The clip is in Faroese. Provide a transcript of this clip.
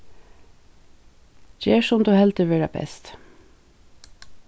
ger sum tú heldur vera best